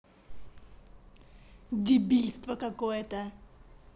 дебильство какое то